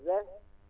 20